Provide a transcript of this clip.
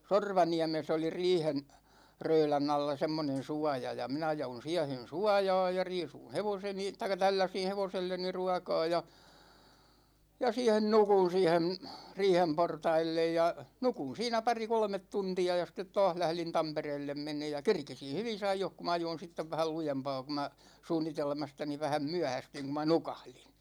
Sorvaniemessä oli riihen röylän alla semmoinen suoja ja ja minä jouduin siihen suojaan ja riisuin hevoseni tai tälläsin hevoselleni ruokaa ja ja siihen nukuin siihen riihen portaille ja nukuin siinä pari kolme tuntia ja sitten taas lähdin Tampereelle menemään ja kerkesin hyvissä ajoissa kun minä ajoin sitten vähän lujempaa kun minä suunnitelmastani vähän myöhästyin kun minä nukahdin